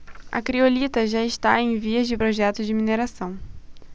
a criolita já está em vias de projeto de mineração